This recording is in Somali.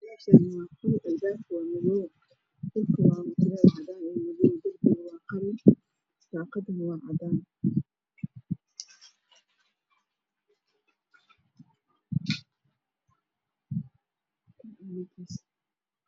Meshani wa qol albabka waa madow dhulka waa mutulel cadan io madow darbiga waa qalin daqad waa cadan